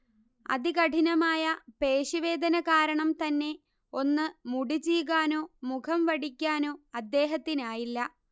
അതികഠിനമായ പേശി വേദന കാരണം തന്നെ ഒന്ന് മുടി ചീകാനോ മുഖം വടിക്കാനൊ അദ്ദേഹത്തിനായില്ല